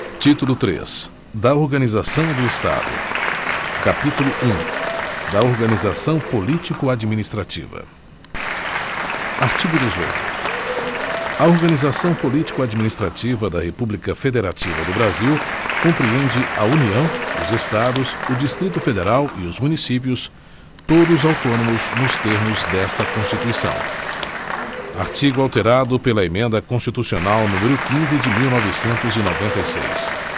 título três da organização do estado capítulo um da organização político administrativa artigo dezoito a organização político administrativa da república federativa do brasil compreende a união os estados o distrito federal e os municípios todos autônomos nos termos desta constituição artigo alterado pela emenda constitucional número quinze de mil novecentos e noventa e seis